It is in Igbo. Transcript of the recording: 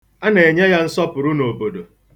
A na-enye ya nsọpụrụ n'obodo.